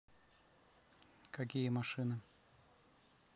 какие машины